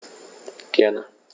Gerne.